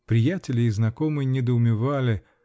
Приятели и знакомые недоумевали